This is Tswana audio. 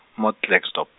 mo Klerksdorp.